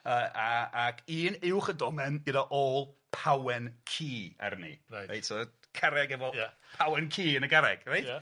Yy a ag un uwch y domen gyda ôl pawen ci arni reit reit so oedd carreg efo... Ia. pawen ci yn y garreg reit? Ia.